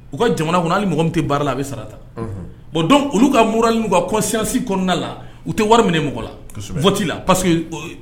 U ka jamana kɔnɔ' mɔgɔ tɛ baara la a bɛ sarata bɔn don olu ka murulau ka kɔsisi kɔnɔna la u tɛ wari minɛ mɔgɔ lati la parce que